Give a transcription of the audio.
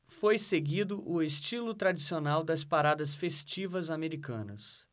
foi seguido o estilo tradicional das paradas festivas americanas